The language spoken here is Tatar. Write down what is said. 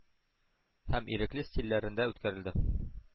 Һәм ирекле стильләрендә үткәрелде,